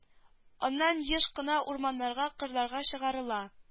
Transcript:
Аннан еш кына урманнарга кырларга чыгарыла